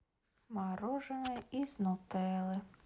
мороженое из нутеллы